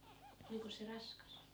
olikos se raskas